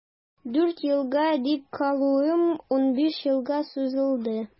Дүрт елга дип калуым унбиш елга сузылды.